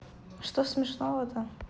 что смешного то